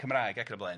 Cymraeg ac yn y blaen.